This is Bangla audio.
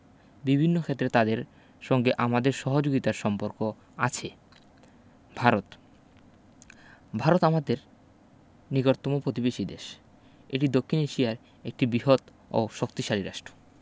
বিভিন্ন ক্ষেত্রে তাদের সঙ্গে আমাদের সহযুগিতার সম্পর্ক আছে ভারত ভারত আমাদের নিকটতম পতিবেশী দেশ এটি দক্ষিন এশিয়ার একটি বিহৎও শক্তিশালী রাষ্ট